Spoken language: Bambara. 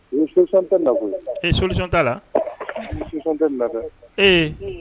Ee solution tɛ nin na koyi, ee solution t'a la , solution tɛ nin na dɛ. Ee!